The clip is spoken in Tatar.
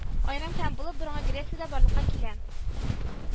Аерым фән булып Борынгы Грециядә барлыкка килә